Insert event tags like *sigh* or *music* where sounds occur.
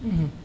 *hesitation* *hesitation*